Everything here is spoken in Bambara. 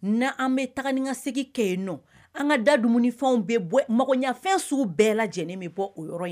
N' an bɛ taga ni ka segin kɛ nɔ an ka da dumuniumfɛnw bɛ bɔ mɔgɔyafɛn sugu bɛɛ lajɛlen bɛ bɔ o yɔrɔ in